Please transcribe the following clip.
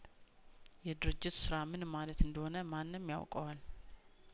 የድርጅት ስራምን ማለት እንደሆነ ማንም ያውቀዋል